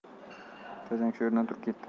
tajang kishi o'rnidan turib ketdi